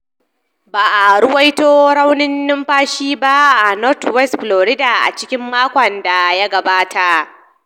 Ba a ruwaito raunin numfashi ba a Northwest Florida a cikin makon da ya gabata.